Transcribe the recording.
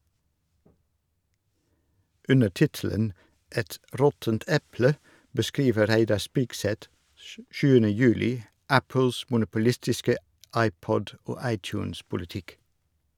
Under tittelen «Et råttent eple» beskriver Reidar Spigseth 7. juli Apples monopolistiske iPod- og iTunes-politikk.